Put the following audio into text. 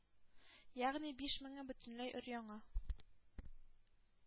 Ягъни биш меңе бөтенләй өр-яңа,